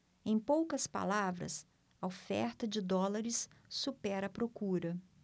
em poucas palavras a oferta de dólares supera a procura